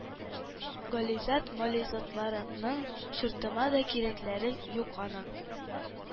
-гализат, мализатларыңның чуртыма да кирәкләре юк аның.